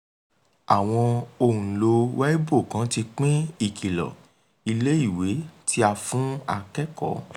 Àwọn òǹlo Weibo kan ti pín ìkìlọ̀ ilé-ìwé ti a fún akẹ́kọ̀ọ́.